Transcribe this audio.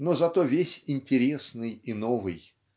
но зато весь интересный и новый.